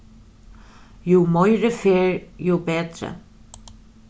jú meiri ferð jú betri